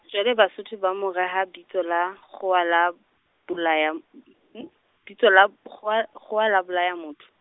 jwale Basotho ba mo reha bitso la, kgowa la, bolaya , bitso la p- kgowa, kgowa la bolaya motho.